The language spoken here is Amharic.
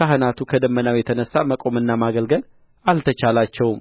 ካህናቱ ከደመናው የተነሣ መቆምና ማገልገል አልተቻላቸውም